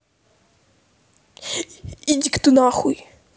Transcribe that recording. иди ка ты нахуй